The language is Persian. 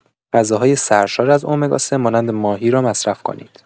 غذاهای سرشار از امگا ۳ مانند ماهی را مصرف کنید.